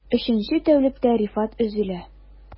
Өченче тәүлектә Рифат өзелә...